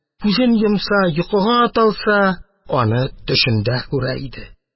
Күзен йомса, йокыга талса, аны төшендә күрә иде…